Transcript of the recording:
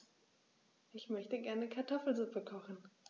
Ich möchte gerne Kartoffelsuppe kochen.